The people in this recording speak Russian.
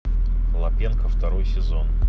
лапенко второй сезон